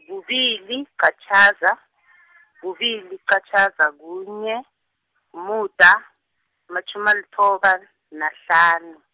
kubili, -qatjhaza, kubili, -qatjhaza, kunye, umuda, matjhumi alithoba, nahlanu.